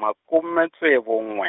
makume ntsevu n'we .